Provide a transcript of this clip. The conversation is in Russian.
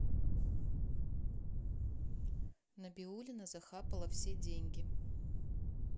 набиуллина захапала все деньги